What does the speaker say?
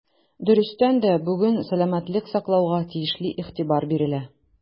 Дөрестән дә, бүген сәламәтлек саклауга тиешле игътибар бирелә.